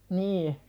niin